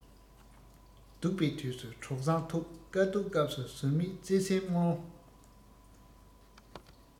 སྡུག པའི དུས སུ གྲོགས བཟང ཐུག དཀའ སྡུག སྐབས སུ ཟོལ མེད བརྩེ སེམས མངོན